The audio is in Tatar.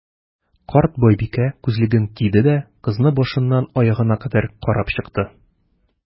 Карт байбикә, күзлеген киде дә, кызны башыннан аягына кадәр карап чыкты.